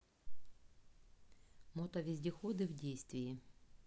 мото вездеходы в действии